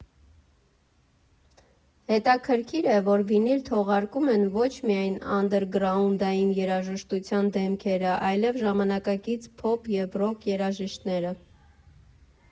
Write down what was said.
Հետաքրքիր է, որ վինիլ թողարկում են ոչ միայն անդերգրաունդային երաժշտության դեմքերը, այլև ժամանակակից փոփ և ռոք երաժիշտները։